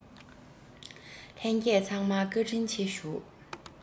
ལྷན རྒྱས ཚང མ བཀའ དྲིན ཆེ ཞུ